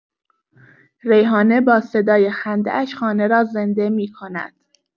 ریحانه با صدای خنده‌اش خانه را زنده می‌کند.